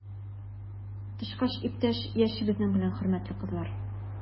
Тычкан иптәш яши безнең белән, хөрмәтле кызлар!